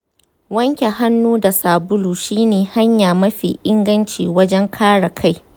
wanke hanu da sabulu shine hanya mafi inganci wajen kare kai.